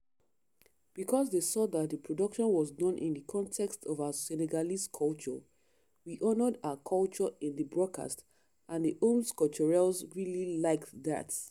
Because they saw that the production was done in the context of our Senegalese culture … we honored our culture in the broadcast and the “hommes culturels” really liked that.